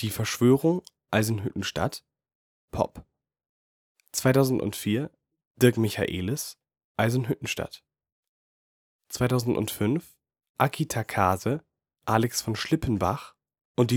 Verschwörung: Eisenhüttenstadt. (Pop) 2004: Dirk Michaelis: Eisenhüttenstadt 2005: Aki Takase, Alex von Schlippenbach &